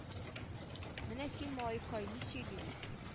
Менә син малайкай ни сөйли бит